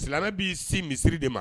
Silamɛ b'i sin misiri de ma.